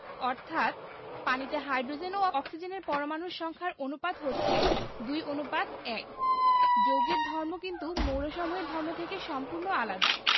অর্থাৎ পানিতে হাইড্রোজেন ও অক্সিজেনের পরমাণুর সংখ্যার অনুপাত হচ্ছে ২ অনুপাত ১যৌগের ধর্ম কিন্তু মৌলসমূহের ধর্ম থেকে সম্পূর্ণ আলাদা